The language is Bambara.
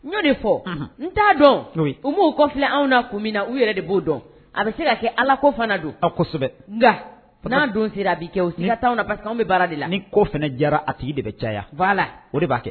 Ɲɔo de fɔ n t'a dɔn u'u kɔfi anw'a kun min na u yɛrɛ de b'o dɔn a bɛ se ka kɛ ala ko fana don a kosɛbɛ nka f don sera b'i kɛ o si taaw ba anw bɛ baara de la ni ko fana jara a tigi de bɛ caya'a la o de b'a kɛ